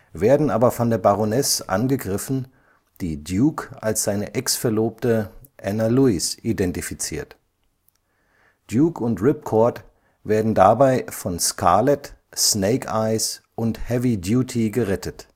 werden aber von der Baroness angegriffen, die Duke als seine Exverlobte Ana Lewis identifiziert. Duke und Ripcord werden dabei von Scarlett, Snake Eyes und Heavy Duty gerettet